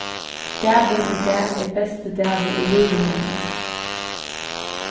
dagurin í dag er besti dagur í lívi mínum